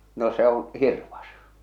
no se on hirvas